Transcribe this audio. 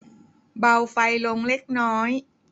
เบาไฟลงเล็กน้อย